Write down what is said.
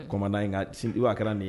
Coman na in nka' a kɛra nin ye